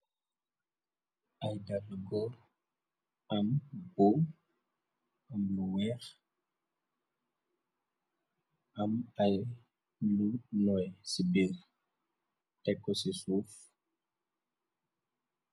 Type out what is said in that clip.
ay dall goor am bo am lu weex am ay lu noy ci biir teko ci suuf